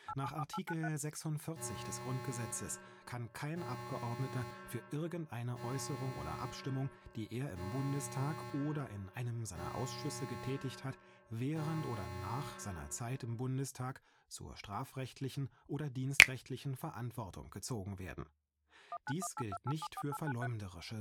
Nach Art. 46 GG kann kein Abgeordneter für irgendeine Äußerung oder Abstimmung, die er im Bundestag oder in einem seiner Ausschüsse getätigt hat, während oder nach seiner Zeit im Bundestag zur strafrechtlichen oder dienstrechtlichen Verantwortung gezogen werden. Dies gilt nicht für verleumderische Beleidigungen